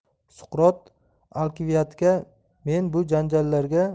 suqrot alkiviadga men bu janjallarga